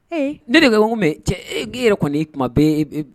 Ne de ko n ko mais cɛ e yɛrɛ kɔni kuma bɛɛ